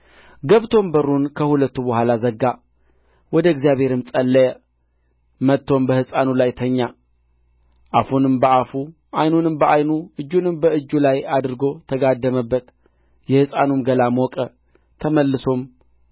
ግያዝም ቀደማቸው በትሩንም በሕፃኑ ፊት ላይ አኖረው ነገር ግን ድምፅ ወይም መስማት አልነበረም እርሱንም ሊገናኘው ተመልሶ ሕፃኑ አልነቃም ብሎ ነገረው ኤልሳዕም ወደ ቤት በገባ ጊዜ እነሆ ሕፃኑ ሞቶ በአልጋው ላይ ተጋድሞ ነበር